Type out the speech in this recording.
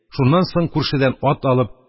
Шуннан соң, күршедән ат алып,